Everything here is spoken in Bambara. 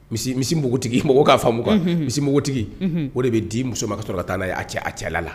Misi misi npogotigi mɔgɔ k'a faamumu kan misi npogotigi o de bɛ di muso ka sɔrɔ ka taa'a a cɛla la